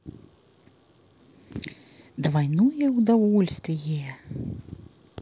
двойное удовольствие